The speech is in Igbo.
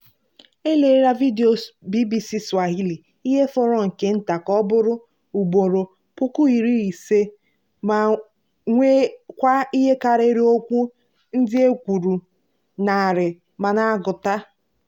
E leela vidio BBC Swahili ihe fọrọ nke nta ka ọ bụrụ ugboro 50,000 ma nwee kwa ihe karịrị okwu ndị e kwuru 100 ma na-agụta.